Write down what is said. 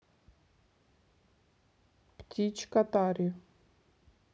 птичка тари